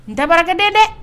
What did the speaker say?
Dabakɛden dɛ